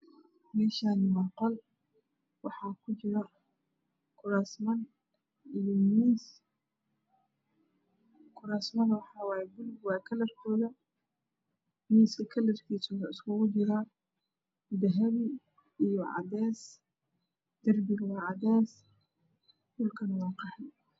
Meshanu waa qol waxaa ku jira kurasman iyo miis kurasta kalar kooda waa bulug miskana wuxu iskgugu jira dahabi iyo cadeea derbiga waa cadees dhulkuna waa qaxwi